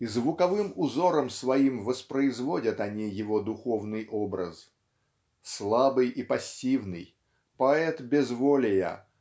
и звуковым узором своим воспроизводят они его духовный образ. Слабый и пассивный поэт безволия